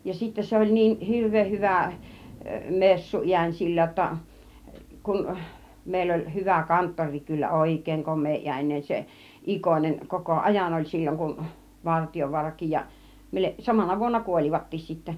ja sitten se oli niin hirveän hyvä - messuääni sillä jotta kun meillä oli hyvä kanttorikin kyllä oikein komeaääninen se Ikonen koko ajan oli silloin kun Vartiovaarakin ja samana vuonna kuolivatkin sitten